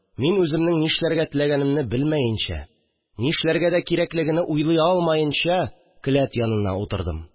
Мин, үземнең нишләргә теләгәнемне белмәенчә, нишләргә дә кирәклегене уйлый алмаенча, келәт янына утырдым